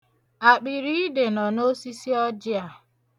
Akpịriide nọ n'osisi ọjị a.